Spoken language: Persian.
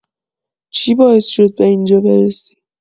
چی باعث شد به اینجا برسی؟